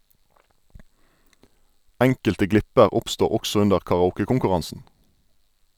Enkelte glipper oppstod også under karaoke-konkurransen.